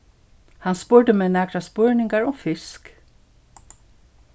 hann spurdi meg nakrar spurningar um fisk